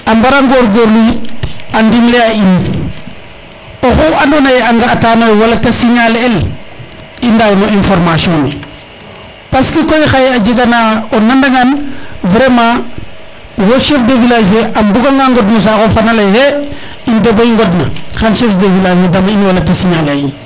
a mbara ngor ngorlu yit a ndimle a in oxu ando naye a nga a tano yo wala te signaler el i ndaaw no information ne parce que koy xaye a jega na o nanda ngan vraiment wo chef de village fe a mbuga nga ngod no saxof xane leye xe in de bo ngod na xan chef de village a dama in wala te signaler